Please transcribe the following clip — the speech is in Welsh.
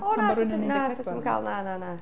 O na 'sa ti... na 'sa ti'm yn cael, na, na, na.